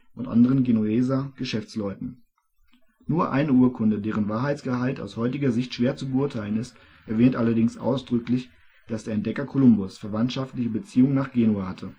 und anderen Genueser Geschäftsleuten. Nur eine Urkunde, deren Wahrheitsgehalt aus heutiger Sicht schwer zu beurteilen ist, erwähnt allerdings ausdrücklich, dass der Entdecker Kolumbus verwandtschaftliche Beziehungen nach Genua hatte